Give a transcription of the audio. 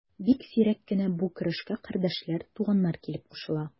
Бик сирәк кенә бу көрәшкә кардәшләр, туганнар килеп кушыла.